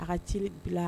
A ka ci bila